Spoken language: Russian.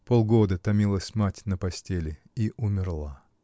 Полгода томилась мать на постели и умерла.